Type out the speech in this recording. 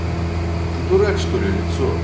ты дурак что ли лицо